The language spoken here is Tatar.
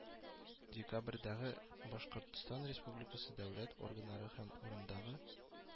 Декабрендәге башкортстан республикасы дәүләт органнары һәм урындагы